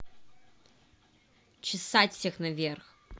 чесать всех наверх